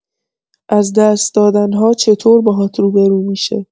از دست دادن‌ها چطور باهات روبه‌رو می‌شه؟